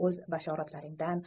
o'z bashoratlaringdan